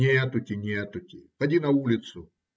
- "Нетути, нетути"!. Поди на улицу!